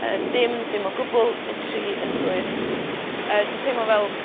Yy dim dim o gwbwl literally yn llwyr. Yy dwi'n teimlo fel